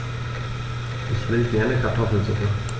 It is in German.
Ich will gerne Kartoffelsuppe.